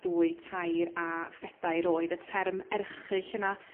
dwy tair a phedair oed y term erchyll yna